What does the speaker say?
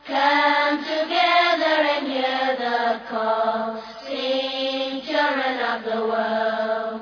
Santigɛ dentigɛ da kɔ kelen caman la laban wa